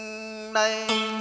này